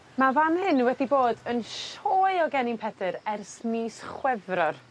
Ma' fan hyn wedi bod yn sioe o gennin pedyr ers mis Chwefror.